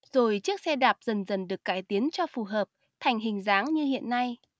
rồi chiếc xe đạp dần dần được cải tiến cho phù hợp thành hình dáng như hiện nay